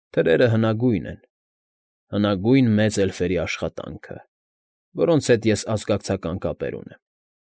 Թրերը հնագույն են, հնագույն մեծ էլֆերի աշխատանքը, որոնց հետ ես ազգակցական կապեր ունեմ։